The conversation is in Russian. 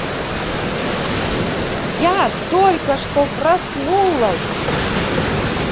я только что проснулась